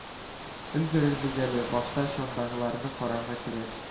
Өлгерербез әле, башта чандагыларны карарга кирәк